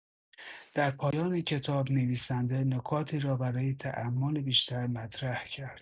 در پایان کتاب، نویسنده نکاتی را برای تأمل بیشتر مطرح کرد.